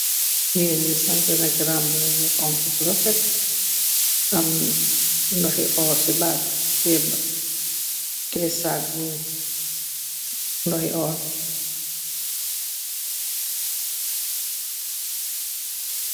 Gigeen gi sanseh na garambubu bu xonxu bu rafet am ndoxi órr ci baat bi teyeh sagg bu ndoxi órr.